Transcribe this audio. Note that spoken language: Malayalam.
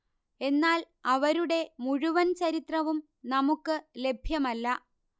എന്നാൽ അവരുടെ മുഴുവൻ ചരിത്രവും നമുക്ക് ലഭ്യമല്ല